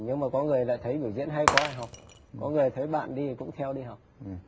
nếu mà có người lại thấy biểu diễn hay quá học có người thấy bạn đi cũng theo đi học